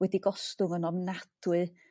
wedi gostwng yn ofnadwy.